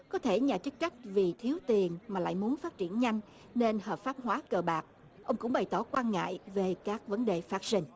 có thể nhà chức trách vì thiếu tiền mà lại muốn phát triển nhanh nên hợp pháp hóa cờ bạc ông cũng bày tỏ quan ngại về các vấn đề phát sinh